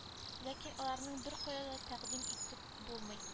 Ләкин аларны беркайда да тәкъдим итеп булмый